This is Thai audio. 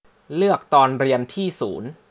เลือกตอนเรียนที่ศูนย์